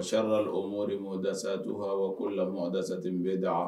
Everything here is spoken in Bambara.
Sala o mori mɔda tu' la madasati bɛ da